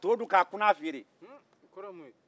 to dun k'a kunan feere